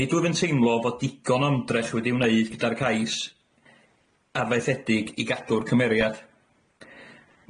Nid wyf yn teimlo fod digon o ymdrech wedi'i wneud gyda'r cais, arfaethedig i gadw'r cymeriad.